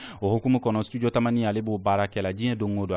o hukumu kɔnɔ studio tamani ale b'o baara kɛla diɲɛ don o don